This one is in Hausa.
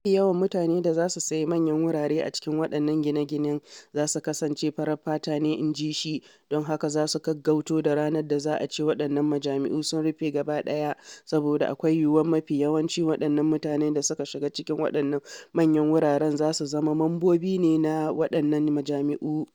“Mafi yawan mutane da za su sayi manyan wurare a cikin waɗannan gine-ginen za su kasance farar fata ne,” inji shi, “don haka kuwa za su gaggauto da ranar da za a ce waɗannan majami’u sun rufe gaba ɗaya saboda akwai yiwuwar mafi yawanci waɗannan mutane da suka shiga cikin waɗannan manyan wuraren su zama mambobi na waɗannan majami’u.”